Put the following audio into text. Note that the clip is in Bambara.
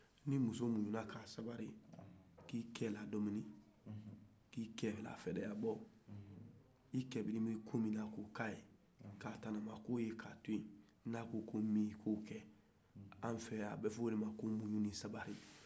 ni muso muɲuna ka sabali k'i cɛ la dumuni k'i cɛ fɛrebɔ ni ko min kadi i cɛ ye ko k'a ye a tɛ min fɛ k'o toyen n'a ko ko nin k'o kɛ an fɛ yan abɛ fɔ o de ma ko muɲu ni sabali